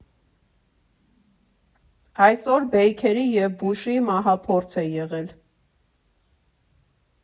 Այսօր Բեյքերի և Բուշի մահափորձ է եղել։